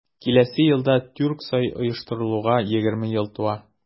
Киләсе елда Тюрксой оештырылуга 20 ел тула.